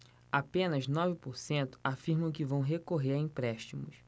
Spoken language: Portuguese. apenas nove por cento afirmam que vão recorrer a empréstimos